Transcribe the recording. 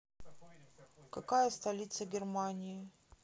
какая столица германии